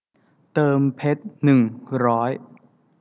เติมเพชรหนึ่งร้อย